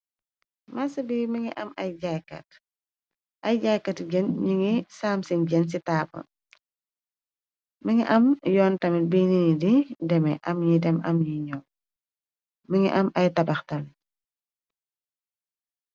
Mas bi mi ngi am ay jaaykat, ay jaaykat gen ñi ngi saam si gen ci taapa, mi ngi am yoon tamit, bi ni nit di deme am ñi dem am yi ñoo, mi ngi am ay tabax tami.